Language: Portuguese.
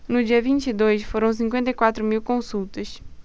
no dia vinte e dois foram cinquenta e quatro mil consultas